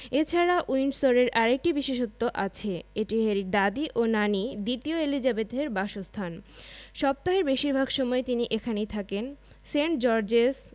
এ ছাড়া উইন্ডসরের আরেকটি বিশেষত্ব আছে এটি হ্যারির দাদি ও নানি দ্বিতীয় এলিজাবেথের বাসস্থান সপ্তাহের বেশির ভাগ সময় তিনি এখানেই থাকেন সেন্ট জর্জেস